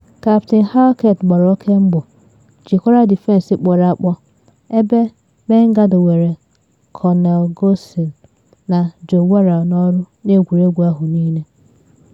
Kaptịn Halkett gbara oke mbọ, jikwara defensị kpọrọ akpọ, ebe Menga dowere Connor Goldson na Joe Worrall n’ọrụ n’egwuregwu ahụ niile.